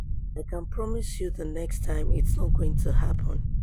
I can promise you the next time it's not going to happen.